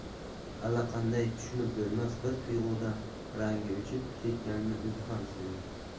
allaqanday tushunib bo'lmas bir tuyg'udan rangi o'chib ketganini o'zi ham sezdi